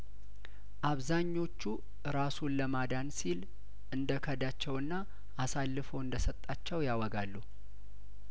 አብዛኞቹ ራሱን ለማዳን ሲል እንደከዳቸውና አሳልፎ እንደሰጣቸው ያወጋሉ